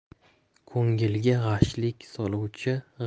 ko'ngilga g'ashlik soluvchi